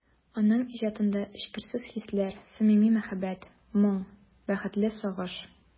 Аның иҗатында эчкерсез хисләр, самими мәхәббәт, моң, бәхетле сагыш...